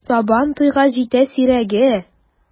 Сабан туйга җитә сирәге!